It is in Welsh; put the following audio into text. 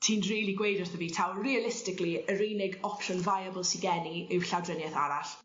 ti'n rili gweud wrtho fi taw realistically yr unig opsiwn viable sy gen i yw llawdrinieth arall?